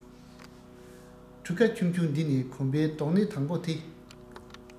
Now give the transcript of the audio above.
གྲུ ག ཆུང ཆུང འདི ནས གོམ པའི རྡོག སྣེ དང པོ དེ